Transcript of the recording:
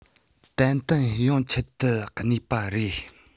ཏན ཏན ཡོངས ཁྱབ ཏུ གནས པ རེད